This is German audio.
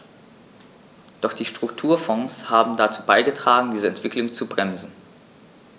Doch die Strukturfonds haben dazu beigetragen, diese Entwicklung zu bremsen.